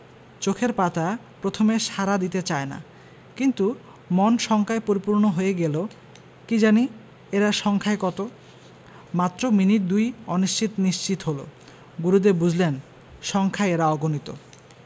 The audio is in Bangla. চোখের পাতা প্রথমে সাড়া দিতে চায় না কিন্তু মন শঙ্কায় পরিপূর্ণ হয়ে গেল কি জানি এরা সংখ্যায় কত মাত্র মিনিট দুই অনিশ্চিত নিশ্চিত হলো গুরুদেব বুঝলেন সংখ্যায় এরা অগণিত